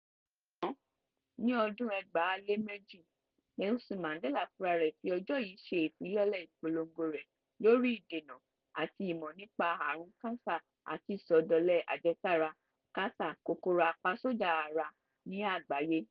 Ṣùgbọ́n, ní ọdún 2002, Nelson Mandela fúnrarẹ̀ fi ọjọ́ yìí ṣe ìfilọ́lẹ̀ ìpolongo rẹ̀ lórí ìdènà àti ìmọ̀ nípa àrùn KASA àti Ìsọdọ̀lẹ Àjẹsára (KASA* Kòkòrò Apasójà Ara) ní àgbáyé, 46668.